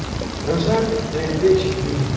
прожарка тнт четыре